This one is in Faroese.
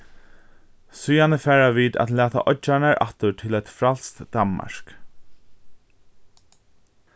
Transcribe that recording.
síðani fara vit at lata oyggjarnar aftur til eitt frælst danmark